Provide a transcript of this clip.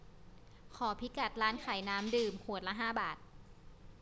ขอพิกัดร้านขายน้ำดื่มขวดละห้าบาท